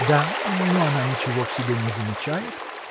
– Да; но она ничего в себе не замечает.